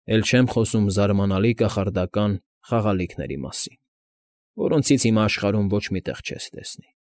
Էլ չեմ խոսում զարմանալի կախարդական խաղալիքների մասին, որոնցից հիմա աշխարհում ոչ մի տեղ չես տեսնի։